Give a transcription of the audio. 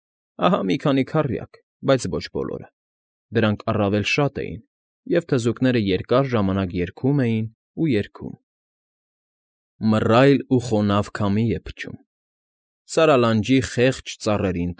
Ահա մի քանի քառյակ, բայց ոչ բոլորը, դրանք առավել շատ էին, և թզուկները երկար ժամանակ երգում էին ու երգում. Մռայլ ու խոնավ քամի է փչում, Սարալանջի խեղճ ծառերին։